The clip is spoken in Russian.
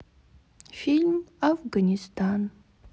фильм афганистан